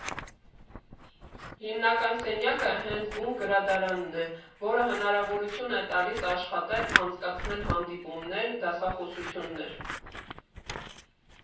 Հիմնական սենյակը հենց բուն գրադարանն է, որը հնարավորություն է տալիս աշխատել, անցկացնել հանդիպումներ, դասախոսություններ։